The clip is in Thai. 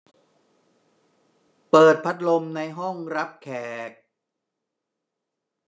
เปิดพัดลมในห้องรับแขก